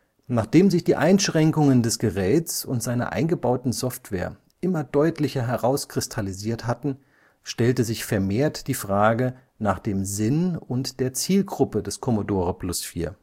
Nachdem sich die Einschränkungen des Geräts und seiner eingebauten Software immer deutlicher herauskristallisiert hatten, stellte sich vermehrt die Frage nach dem Sinn und der Zielgruppe des Commodore Plus/4